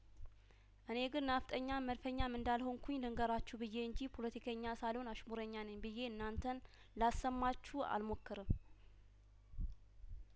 እኔ ግን ነፍጠኛም መድፈኛም እንዳልሆኩኝ ልንገራችሁ ብዬ እንጂ ፖለቲከኛ ሳልሆን አሽሙረኛ ነኝ ብዬ እናንተን ላሳምናችሁ አልሞክርም